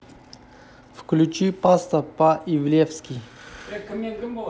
включи паста по ивлевски